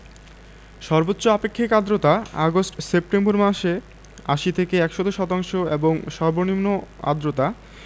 সর্বোচ্চ আপেক্ষিক আর্দ্রতা আগস্ট সেপ্টেম্বর মাসে ৮০ থেকে ১০০ শতাংশ এবং সর্বনিম্ন আর্দ্রতা